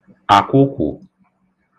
àkwụkwụ̀